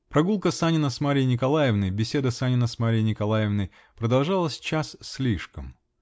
Прогулка Санина с Марьей Николаевной, беседа Санина с Марьей Николаевной продолжалась час с лишком.